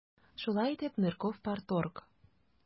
Шулай итеп, Нырков - парторг.